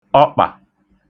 ọkpà